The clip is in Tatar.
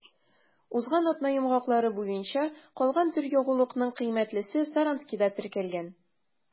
Узган атна йомгаклары буенча калган төр ягулыкның кыйммәтлесе Саранскида теркәлгән.